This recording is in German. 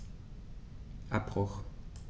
Abbruch.